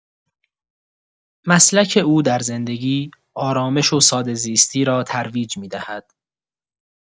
مسلک او در زندگی، آرامش و ساده‌زیستی را ترویج می‌دهد.